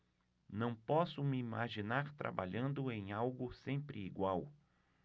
não posso me imaginar trabalhando em algo sempre igual